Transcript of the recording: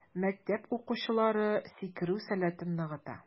Мәктәп укучылары сикерү сәләтен ныгыта.